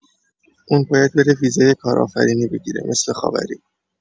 اون باید بره ویزای کارآفرینی بگیره مثل خاوری